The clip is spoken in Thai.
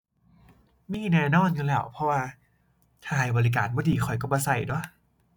มีแน่นอนอยู่แล้ว เพราะว่าถ้าให้บริการบ่ดีข้อยก็บ่ก็ตั่ว